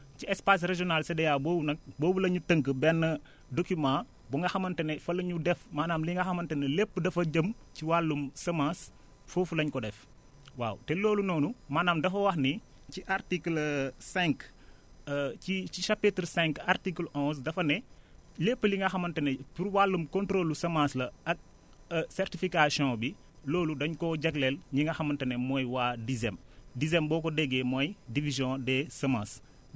ci espace régiale CEDEA boobu nag boobu la ñu tënk benn document bu nga xamante ne fa la ñu def maanaam li nga xamante ne lépp dafa jëm ci wàllum semence foofu la ñu ko def waaw te loolu noonu maanaam dafa wax ni ci article cinq ci chapitre cinq article onze dafa ne lépp li nga xamante ne pour wàllum copntôle lu semence la ak certification bi loolu daén koo jagleen ñi nga xamante ne mooy waa DISEM DISEM boo ko déggee mooy division des semence